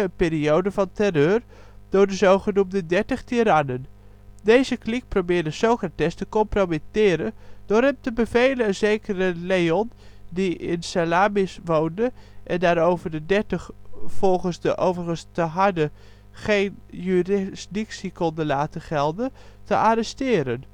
periode van terreur (door de zgn Dertig Tirannen) Deze kliek probeerde Socrates te compromitteren door hem te bevelen een zekere Leon die in Salamis woonde (en waarover de dertig volgens de, overigens te harde, wet geen jurisdictie konden laten gelden) te arresteren